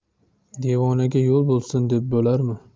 devonaga yo'l bo'lsin deb bo'larmi